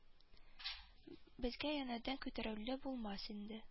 Безгә янәдән күтәрелү булмас инде